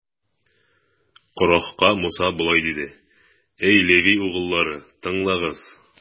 Корахка Муса болай диде: Әй Леви угыллары, тыңлагыз!